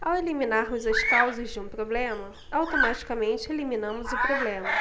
ao eliminarmos as causas de um problema automaticamente eliminamos o problema